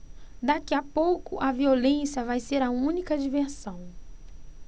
daqui a pouco a violência vai ser a única diversão